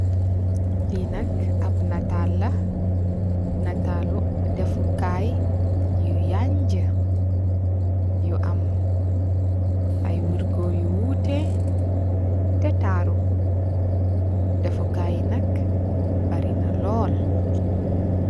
Lii nak nataal la, nataal lu defukaay, yu yaañgë, yu am, ay wërgo yu wute të taaru. Defukaay i nak, bari na lool.